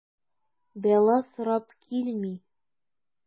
Бәла сорап килми.